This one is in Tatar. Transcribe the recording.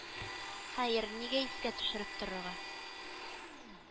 Хәер, нигә искә төшереп торырга